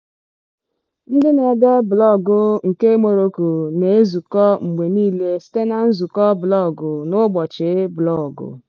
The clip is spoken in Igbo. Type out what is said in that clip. Ndị na-ede blọọgụ nke Morocco na-ezukọ mgbe niile site na nzukọ blọọgụ na ụbọchị blọọgụ.